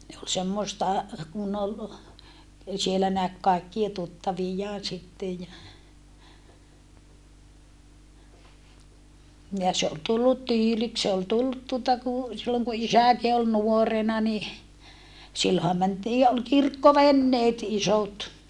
ne oli semmoista kun oli siellä näki kaikkia tuttaviaan sitten ja ja se oli tullut tyyliksi se oli tullut tuota kun silloin kun isäkin oli nuorena niin silloinhan mentiin ja oli kirkkoveneet isot